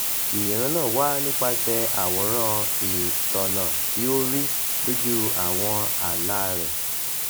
Ìran náà wá nípasẹ̀ àwòrán ìtọ́nà tí ó rí lójú àwọn àláa rẹ̀.